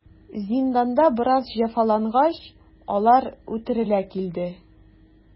Зинданда бераз җәфалангач, алар үтерелә килде.